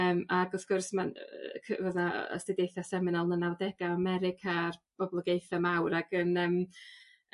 yym ag wrht gwrs ma'n yy c- fydda yy astudiaethe seminol y nawdega' America a'r boblogaethe mawr ag yn yym